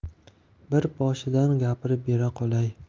bir boshdan gapirib bera qolay